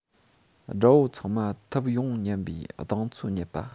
དགྲ བོ ཚང མ ཐུབ ཡོང སྙམ པའི གདེང ཚོད རྙེད པ